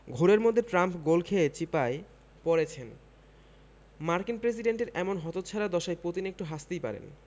ঘোরের মধ্যে ট্রাম্প গোল খেয়ে চিপায় পড়েছেন মার্কিন প্রেসিডেন্টের এমন হতচ্ছাড়া দশায় পুতিন একটু হাসতেই পারেন